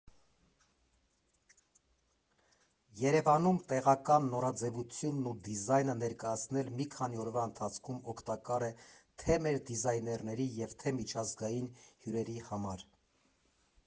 Երևանում տեղական նորաձևությունն ու դիզայնը ներկայացնել մի քանի օրվա ընթացքում օգտակար է թե մեր դիզայներների, և թե՛ միջազգային հյուրերի համար։